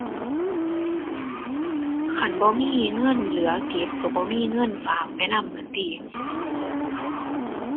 คันบ่มีเงินเหลือเก็บก็บ่มีเงินฝากไปนำนั่นติ